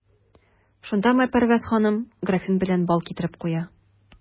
Шунда Майпәрвәз ханым графин белән бал китереп куя.